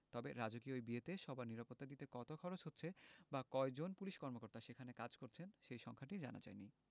তবে রাজকীয় এই বিয়েতে সবার নিরাপত্তা দিতে কত খরচ হচ্ছে বা কয়জন পুলিশ কর্মকর্তা সেখানে কাজ করছেন সেই সংখ্যা জানা যায়নি